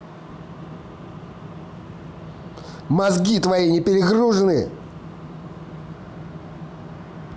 мозги твои не перегружены